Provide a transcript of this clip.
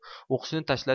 o'qishni tashlab